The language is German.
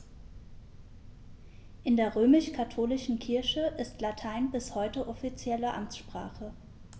In der römisch-katholischen Kirche ist Latein bis heute offizielle Amtssprache.